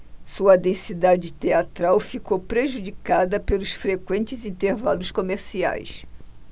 sua densidade teatral ficou prejudicada pelos frequentes intervalos comerciais